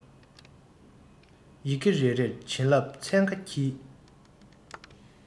ཡི གེ རེ རེར བྱིན རླབས ཚན ཁ འཁྱིལ